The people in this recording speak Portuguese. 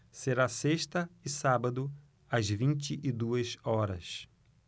será sexta e sábado às vinte e duas horas